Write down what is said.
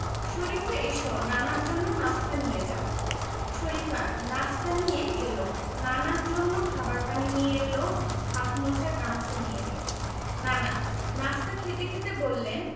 শরিফা এসো নানার জন্য নাশতা নিয়ে যাও শরিফা নাশতা নিয়ে এলো নানার জন্য খাবার পানি নিয়ে এলো হাত মোছার গামছা নিয়ে এলো নানা নাশতা খেতে খেতে বললেন